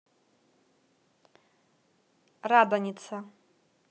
радоница